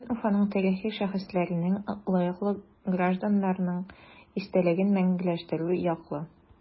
Мин Уфаның тарихи шәхесләренең, лаеклы гражданнарның истәлеген мәңгеләштерү яклы.